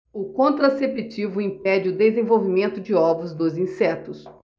o contraceptivo impede o desenvolvimento de ovos dos insetos